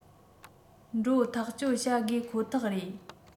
འགྲོ ཐག གཅོད བྱ དགོས ཁོ ཐག རེད